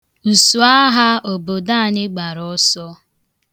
Usuagha obodo anyị gbara ọsọ.